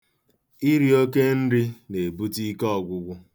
Iri oke nri na-ebute ikeọgwụgwụ.